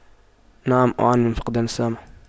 نعم أعاني من فقدان السمع